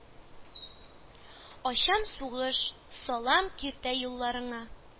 Ачам сугыш, салам киртә юлларыңа!»